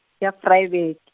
ya Vryburg.